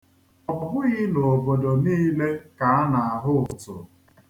Ọ bụghị n'obodo niile ka a na-ahụ ụtụ.